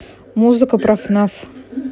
музыка про фнаф